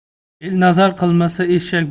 el nazar qilmasa eshak